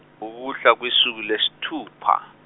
ukuhla kosuku lwesithupha.